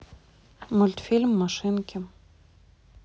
мультфильм машинки